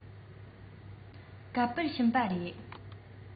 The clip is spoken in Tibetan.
ག པར ཕྱིན པ རེད